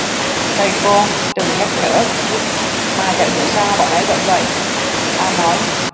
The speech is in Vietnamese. thầy cô từng nhắc nhở mà chẳng hiểu sao bạn ấy vẫn vậy an nói